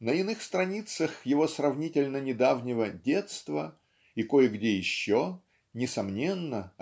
на иных страницах его сравнительно недавнего "Детства" и кое-где еще несомненно